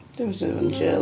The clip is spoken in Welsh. Dim os 'di o fod yn jail.